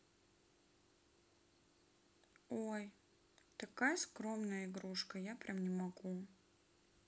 ой такая скромная игрушка я прям не могу